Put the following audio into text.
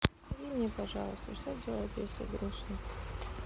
помоги мне пожалуйста что делать если грустно